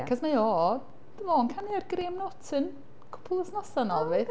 Achos mae o... dwi meddwl yn canu ar Graham Norton, cwpwl o wythnosau nôl 'fyd.